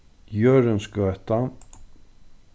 jørundsgøta